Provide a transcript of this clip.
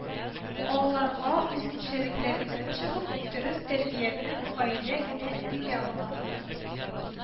Аларга үзенчәлекләреннән чыгып дөрес тәрбияне гаилә генә бирә ала